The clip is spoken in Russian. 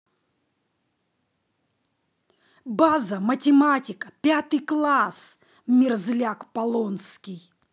база математика пятый класс мерзляк полонский